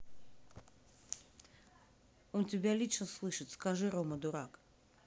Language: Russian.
он тебя лично слышит скажи рома дурак